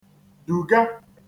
dùga